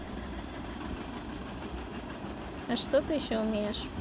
а что ты еще умеешь